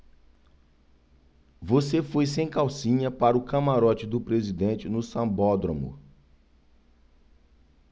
você foi sem calcinha para o camarote do presidente no sambódromo